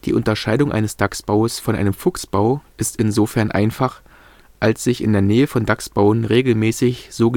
Unterscheidung eines Dachsbaues von einem Fuchsbau ist insofern einfach, als sich in der Nähe von Dachsbauen regelmäßig so genannte